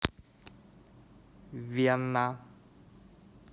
вена